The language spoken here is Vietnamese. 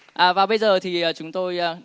à bây giờ thì chúng tôi